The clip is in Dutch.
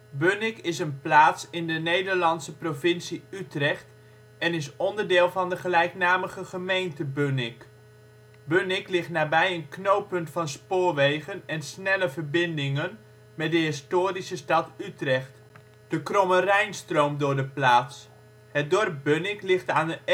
Bunnik is een plaats in de Nederlandse provincie Utrecht en onderdeel van de gelijknamige gemeente Bunnik. Bunnik ligt nabij een knooppunt van spoorwegen en snelle verbindingen met de historische stad Utrecht. De Kromme Rijn stroomt door de plaats. Het dorp Bunnik ligt aan de